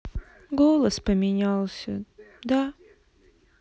голос поменялся да